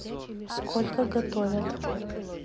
сколько готовят